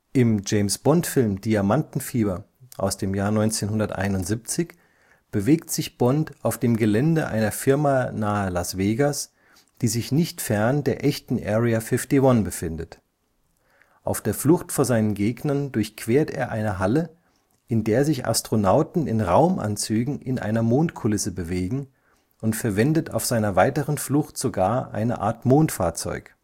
Im James-Bond-Film Diamantenfieber von 1971 bewegt sich Bond auf dem Gelände einer Firma nahe Las Vegas, die sich nicht fern der echten Area 51 befindet. Auf der Flucht vor seinen Gegnern durchquert er eine Halle, in der sich Astronauten in Raumanzügen in einer Mondkulisse bewegen, und verwendet auf seiner weiteren Flucht sogar eine Art Mondfahrzeug